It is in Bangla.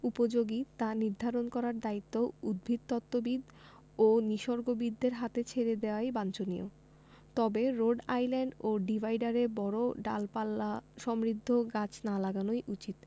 উপযোগী তা নির্ধারণ করার দায়িত্ব উদ্ভিদতত্ত্ববিদ ও নিসর্গবিদদের হাতে ছেড়ে দেয়াই বাঞ্ছনীয় তবে রোড আইল্যান্ড ও ডিভাইডারে বড় ডালপালাসমৃদ্ধ গাছ না লাগানোই উচিত